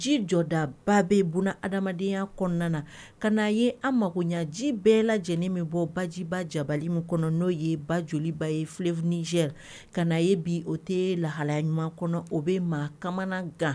Ji jɔdaba bɛ bɔn adamadenyaya kɔnɔna na ka a ye an mako ɲɛ ji bɛɛ lajɛlen min bɔ bajiba jabalili min kɔnɔ n'o ye ba joliba ye fifinize ka ye bi o tɛ lahala ɲumanɲuman kɔnɔ o bɛ maa ka kan